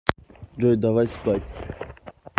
джой давай спать